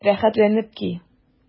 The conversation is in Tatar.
Рәхәтләнеп ки!